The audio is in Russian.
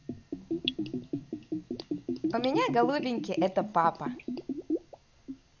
у меня голубенький это папа